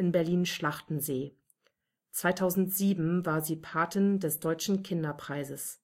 Berlin-Schlachtensee. 2007 war sie Patin des Deutschen Kinderpreises